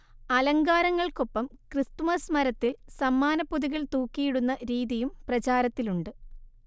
അലങ്കാരങ്ങൾക്കൊപ്പം Christmas മരത്തിൽ സമ്മാനപ്പൊതികൾ തൂക്കിയിടുന്ന രീതിയും പ്രചാരത്തിലുണ്ട്